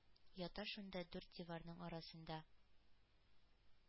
Ята шунда дүрт диварның арасында.